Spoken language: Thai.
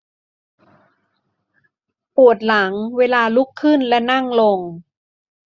ปวดหลังเวลาลุกขึ้นและนั่งลง